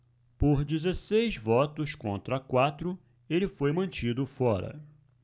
por dezesseis votos contra quatro ele foi mantido fora